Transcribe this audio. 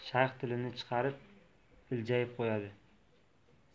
shayx tilini chiqarib iljayib qo'yadi